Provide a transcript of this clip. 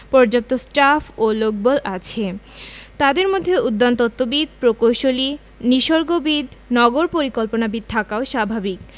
পর্যাপ্ত স্টাফ ও লোকবল আছে তাদের মধ্যে উদ্যানতত্ত্ববিদ প্রকৌশলী নিসর্গবিদ নগর পরিকল্পনাবিদ থাকাও স্বাভাবিক